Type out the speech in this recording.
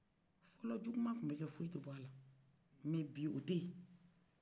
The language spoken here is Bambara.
fɔlɔ juguman kun bɛkɛ foyi te bo ala mɛ bi oteyi